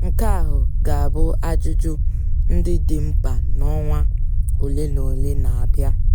Nke ahụ ga-abụ ajụjụ ndị dị mkpa n'ọnwa olenaole na-abịa.